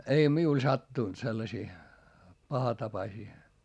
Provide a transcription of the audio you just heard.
ei minulle sattunut sellaisia pahatapaisia